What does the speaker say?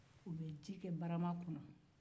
u bɛ ji kɛ bara kɔnɔ